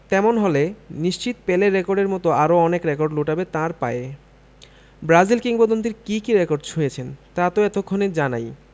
তেমন হলে নিশ্চিত পেলের রেকর্ডের মতো আরও অনেক রেকর্ড লুটাবে তাঁর পায়ে ব্রাজিল কিংবদন্তির কী কী রেকর্ড ছুঁয়েছেন তা তো এতক্ষণে জানাই